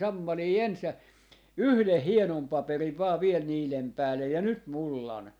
sammalia ensin ja yhden hienon paperin vain vielä niiden päälle ja nyt mullan